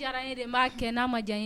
Diyara n ye, n b'a kɛ n' ma diya ye